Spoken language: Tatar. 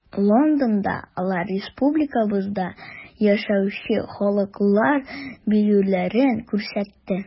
Лондонда алар республикабызда яшәүче халыклар биюләрен күрсәтте.